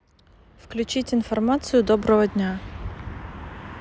включить информацию доброго дня